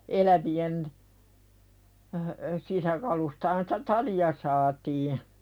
elävien sisäkaluistahan sitä talia saatiin